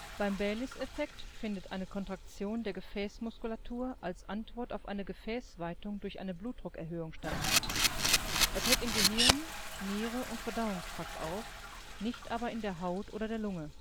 Beim Bayliss-Effekt findet eine Kontraktion der Gefäßmuskulatur als Antwort auf eine Gefäßweitung durch eine Blutdruckerhöhung statt. Er tritt in Gehirn, Niere und Verdauungstrakt auf, nicht aber in der Haut oder der Lunge